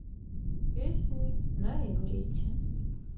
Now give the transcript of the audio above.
песни на иврите